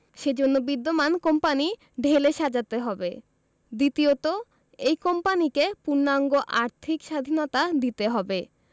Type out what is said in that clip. সে জন্য বিদ্যমান কোম্পানি ঢেলে সাজাতে হবে দ্বিতীয়ত এই কোম্পানিকে পূর্ণাঙ্গ আর্থিক স্বাধীনতা দিতে হবে